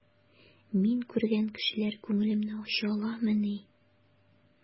Мин күргән кешеләр күңелемне ача аламыни?